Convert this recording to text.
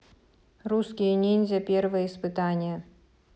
русские ниндзя первые испытания